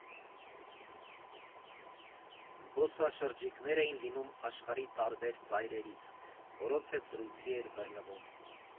Զբոսաշրջիկներ էին լինում աշխարհի տարբեր ծայրերից, որոնց հետ զրույցի էիր բռնվում։